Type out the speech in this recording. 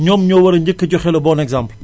ñoom ñoo war a njëkk a joxe le bon exemple